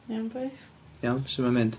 Iawn bois? Iawn, su mae'm mynd?